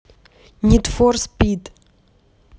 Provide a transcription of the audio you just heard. нитфор спид